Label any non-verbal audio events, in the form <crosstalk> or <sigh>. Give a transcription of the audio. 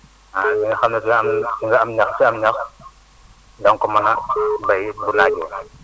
ah éni nga xam ne <noise> di nga am ñax fi am ñax <noise> da nga ko mën a bay <noise> bu naajee